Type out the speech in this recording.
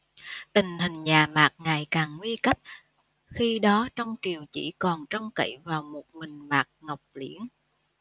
tình hình nhà mạc ngày càng nguy cấp khi đó trong triều chỉ còn trông cậy vào một mình mạc ngọc liễn